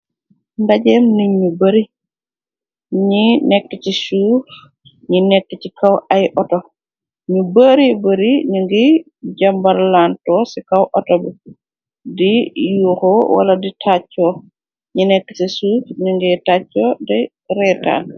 Ndajeem ni ñu bari, ñi nekk ci suuf, ñi nekk ci kaw ay auto, ñu bari bari ningi jàmbarlanto ci kaw auto bi, di yuuxo wala di tacco, ñi nekk ci suuf ñi ngiy tàcco di reetaan.